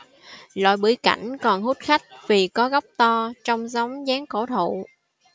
loại bưởi cảnh còn hút khách vì có gốc to trông giống dáng cổ thụ